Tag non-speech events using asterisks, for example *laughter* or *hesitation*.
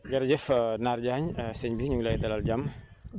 jërëjëf *hesitation* Naar Diagne *hesitation* sëñ bi ñu ngi lay *noise* dalal jàmm